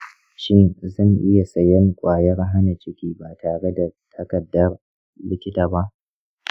shin zan iya sayen kwayar hana ciki ba tare da takardar likita ba?